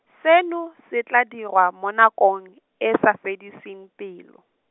seno se tla dirwa mo nakong e sa fediseng pelo.